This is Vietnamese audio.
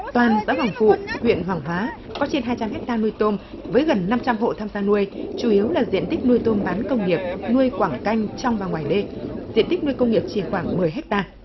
toàn xã hoằng phụ huyện hoằng hóa có trên hai trăm héc ta nuôi tôm với gần năm trăm hộ tham gia nuôi chủ yếu là diện tích nuôi tôm bán công nghiệp nuôi quảng canh trong và ngoài đê diện tích nuôi công nghiệp chỉ khoảng mười héc ta